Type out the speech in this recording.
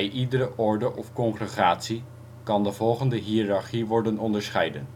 iedere orde of congregatie kan de volgende hiërachie worden onderscheiden